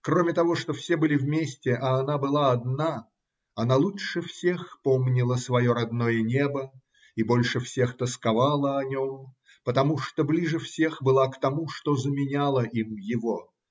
кроме того, что все были вместе, а она была одна, она лучше всех помнила свое родное небо и больше всех тосковала о нем, потому что ближе всех была к тому, что заменяло им его